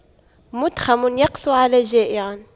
مُتْخَمٌ يقسو على جائع